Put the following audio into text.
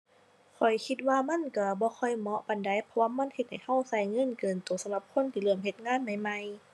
ข้อยคิดว่ามันก็บ่ค่อยเหมาะปานใด เพราะว่ามันเฮ็ดให้ก็ก็เงินเกินก็สำหรับคนที่เริ่มเฮ็ดงานใหม่ใหม่